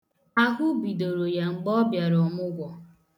Ahụ bidoro ya mgbe ọ bịara ọmụgwọ.